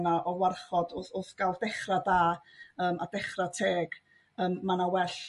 'na o warchod w'th w'th ga'l dechra' da yym a dechra' teg yym ma' 'na well